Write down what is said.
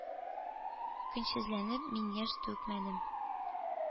Көчсезләнеп, мин яшь түкмәдем.